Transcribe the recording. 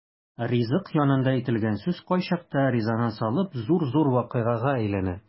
Ризык янында әйтелгән сүз кайчакта резонанс алып зур-зур вакыйгага әйләнә.